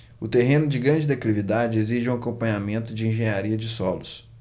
o terreno de grande declividade exige um acompanhamento de engenharia de solos